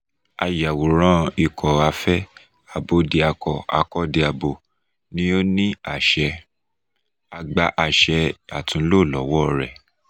Ayàwòrán Ikọ̀ Afẹ́ Abódiakọ-akọ́diabo ni ó ní àṣẹ, a gba àṣẹ àtúnlò lọ́wọ́ọ rẹ̀.